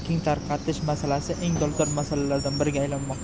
keng tarqatish masalalasi eng dolzarb masalalardan biriga aylanmoqda